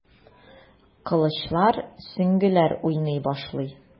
Кылычлар, сөңгеләр уйный башлый.